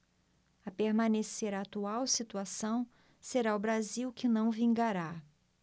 a permanecer a atual situação será o brasil que não vingará